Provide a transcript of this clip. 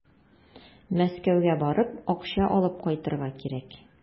Мәскәүгә барып, акча алып кайтырга кирәк.